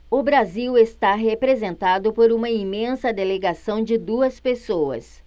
o brasil está representado por uma imensa delegação de duas pessoas